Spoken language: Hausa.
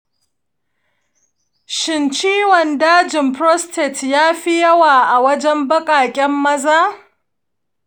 shin ciwon dajin prostate ta fi yawa a wajen baƙaƙen maza?